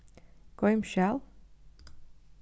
goym skjal